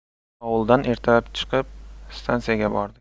ovuldan ertalab chiqib stansiyaga bordik